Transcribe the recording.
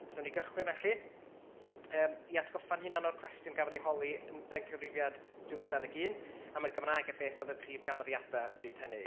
So wnawn ni gychwyn felly, yym i atgoffa'n hunan o'r cwestiwn gafodd ei holi yy yn cyfrifiad dwy fil ac dau ddeg un, am y Gymraeg a beth oedd y prif ganfyddiadau bryd hynny.